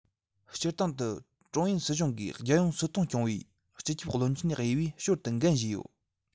སྤྱིར བཏང དུ ཀྲུང ཡོན སྲིད གཞུང གི རྒྱལ ཡོངས སྲིད དོན སྐྱོང བའི སྤྱི ཁྱབ བློན ཆེན གཡས པས ཞོར དུ འགན བཞེས ཡོད